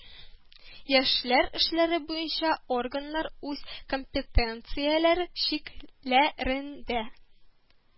Яшьләр эшләре буенча органнар үз компетенцияләре чик лә ренде